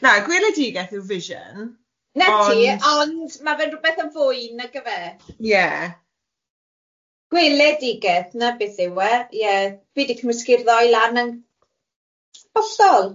Na gweledigeth yw vision ond... Neti ond ma' fe'n rwbeth yn fwy nagyfe. ....ie. ...gweledigaeth na beth yw e ie fi di cymysgu'r ddou lan yn hollol.